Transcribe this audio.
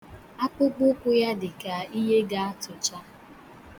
Akpukpukwu ya dịka ihe ga-tụcha